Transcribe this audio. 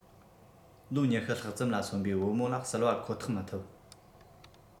ལོ ༢༠ ལྷག ཙམ ལ སོན པའི བུ མོ ལ བསིལ བ ཁོ ཐག མི ཐུབ